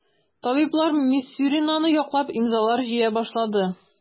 Табиблар Мисюринаны яклап имзалар җыя башлады.